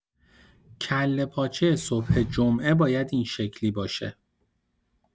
کله‌پاچه صبح جمعه باید این شکلی باشه.